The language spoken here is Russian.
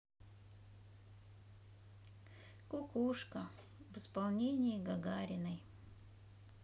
кукушка в исполнении гагариной